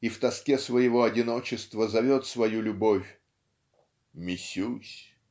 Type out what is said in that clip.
и в тоске своего одиночества зовет свою любовь "Мисюсь.